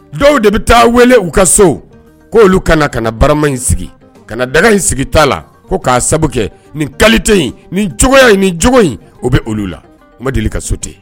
Dɔw de bɛ taa wele u ka so, k'olu kana kana barama in sigi, ka daga in sigi ta la, ko k'a sababu kɛ ni qualité in ni cogoya in ni jogo in o bɛ olu la, u ma deli ka souter